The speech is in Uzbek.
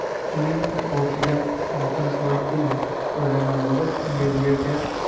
uning bortiga oltin plastina joylangan bo'lib unga